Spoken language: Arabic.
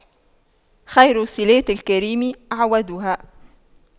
خير صِلاتِ الكريم أَعْوَدُها